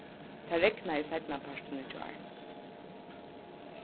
tað regnaði seinnapartin í gjár